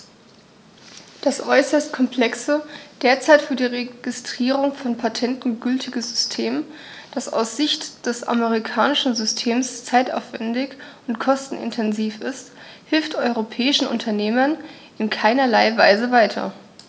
Das äußerst komplexe, derzeit für die Registrierung von Patenten gültige System, das aus Sicht des amerikanischen Systems zeitaufwändig und kostenintensiv ist, hilft europäischen Unternehmern in keinerlei Weise weiter.